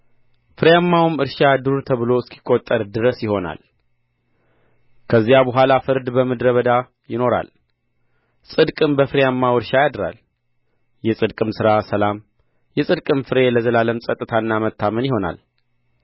ፍሬያማውም እርሻ ዱር ተብሎ እስኪቈጠር ድረስ ይሆናል ከዚያ በኋላ ፍርድ በምድረ በዳ ይኖራል ጽድቅም በፍሬያማው እርሻ ያድራል የጽድቅም ሥራ ሰላም የጽድቅም ፍሬ ለዘላለም ጸጥታና መታመን ይሆናል